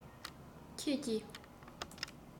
ཁྱེད ཀྱིས